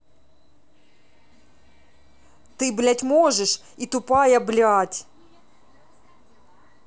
ты блядь можешь и тупая блядь